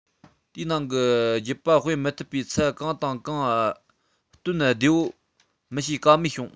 དེའི ནང གི རྒྱུད པ སྤེལ མི ཐུབ པའི ཚད གང དང གང སྟོན བདེ བོ མི བྱེད ག མེད བྱུང